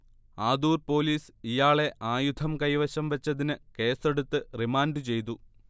Adoor police ഇയാളെ ആയുധം കൈവശംവച്ചതിന് കേസെടുത്ത് റിമാൻഡുചെയ്തു